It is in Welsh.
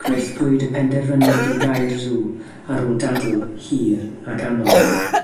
Gwnaethpwyd y penderfyniad i gau'r sw ar ôl dadl hir ac anodd.